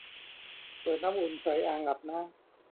เปิดน้ำอุ่นใส่อ่างอาบน้ำ